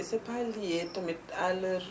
c' est pas lié tamit à leur